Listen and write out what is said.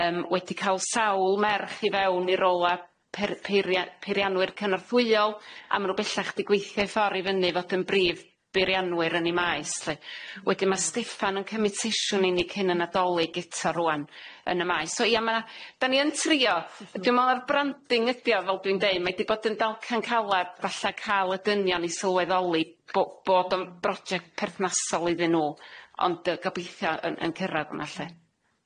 Yym wedi ca'l sawl merch i fewn i rôla pe- peiria- peirianwyr cynorthwyol a ma' nw bellach di gweithio i ffor i fyny i fod yn brif beirianwyr yn y maes lly. Wedyn ma' Steffan yn cymyd sesiwn i ni cyn y Nadolig eto rŵan yn y maes so ia ma' da ni yn trio dwi me'wl a'r branding ydi o fel dwi'n deud mae di bod yn dalcan calad falla ca'l y dynion i sylweddoli bo- bod o'n broject perthnasol iddyn nw ond yy gobeithio yn yn cyrradd yna lly.